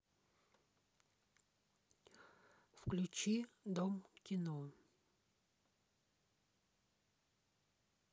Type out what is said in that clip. включи дом кино